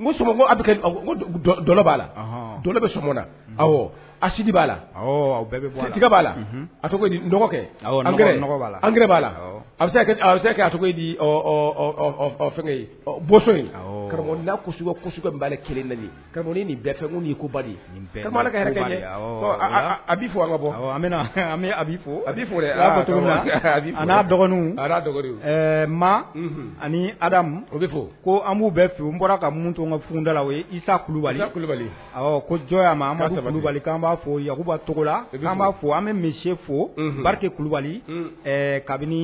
Lɔ b'a la don bɛ so asidi b'a la bɛɛ bɛ bɔ tigi b'a la dɔgɔkɛ'a an b'a la bosolaale kelen lali nin bɛɛ fɛ kulubali a bɛ fɔ a bɔ a bɛ fɔ'a dɔgɔnin ma ani o bɛ fɔ ko an b'u bɛɛ fe u n bɔra ka muntɔn ka funda la o ye i kulubali kulubali ko jɔn y'a ma an sabali kulubali'an b'a fɔ yanku'cogo la'an b'a fɔ an bɛ misi fo barikarike kulubali kabini